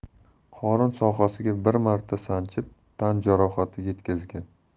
qorin sohasiga bir marta sanchib tan jarohati yetkazgan